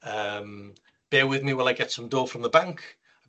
Yym, bear with me while I get some dough from the bank